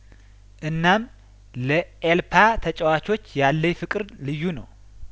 እናም ለኤልፓ ተጨዋቾች ያለኝ ፍቅር ልዩ ነው